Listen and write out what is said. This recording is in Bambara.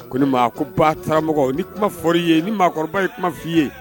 Ko ni maa ko ba karamɔgɔ ni kuma fɔ i ye ni maakɔrɔba ye kuma f'i ye